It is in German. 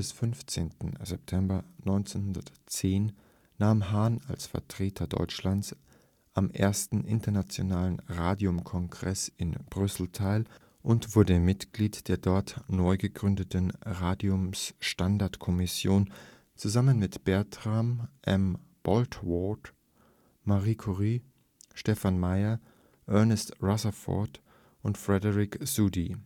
15. September 1910 nahm Hahn als Vertreter Deutschlands am ‚ 1. Internationalen Radium-Kongress ‘in Brüssel teil und wurde Mitglied der dort neugegründeten ‚ Radiumstandard-Kommission ‘, zusammen mit Bertram B. Boltwood, Marie Curie, Stefan Meyer, Ernest Rutherford und Frederick Soddy